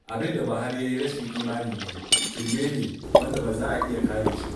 Abin da Buhari ya yi rashin imani ne, shirme ne wanda ba za a iya kare shi ba.